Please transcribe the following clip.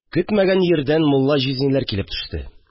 Көтмәгән йирдән мулла җизниләр килеп төште